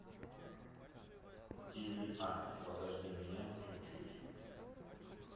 тиви а подожди меня чуть чуть